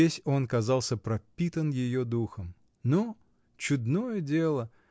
весь он казался пропитан ее духом. Но -- чудное дело!